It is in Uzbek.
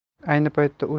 ayni paytda u